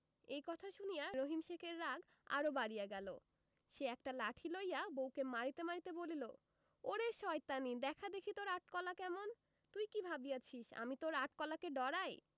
এই কথা শুনিয়া রহিম শেখের রাগ আরও বাড়িয়া গেল সে একটা লাঠি লইয়া বউকে মারিতে মারিতে বলিল ওরে শয়তানী দেখা দেখি তোর আট কলা কেমন তুই কি ভাবিয়াছি আমি তোর আট কলাকে ডরাই